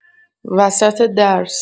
وسط درس